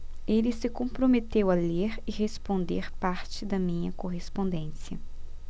ele se comprometeu a ler e responder parte da minha correspondência